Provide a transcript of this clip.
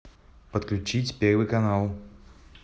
подключить первый канал